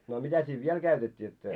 no mitä siinä vielä käytettiin jotta se